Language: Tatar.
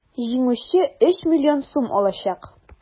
Җиңүче 3 млн сум алачак.